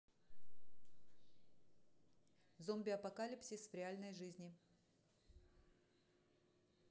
зомби апокалипсис в реальной жизни